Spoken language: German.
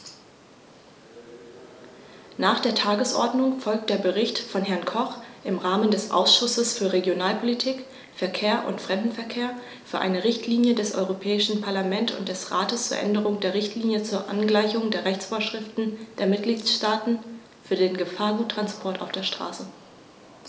Nach der Tagesordnung folgt der Bericht von Herrn Koch im Namen des Ausschusses für Regionalpolitik, Verkehr und Fremdenverkehr für eine Richtlinie des Europäischen Parlament und des Rates zur Änderung der Richtlinie zur Angleichung der Rechtsvorschriften der Mitgliedstaaten für den Gefahrguttransport auf der Straße.